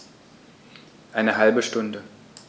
Eine halbe Stunde